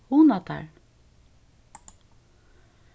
hugna tær